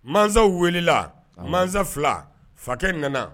Masa wulila masa fila fakɛ nana